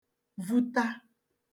vuta